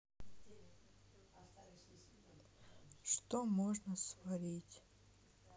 что можно сварить